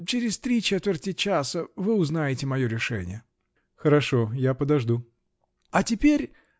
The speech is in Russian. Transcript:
через три четверти часа -- вы узнаете мое решение. -- Хорошо; я подожду. -- А теперь.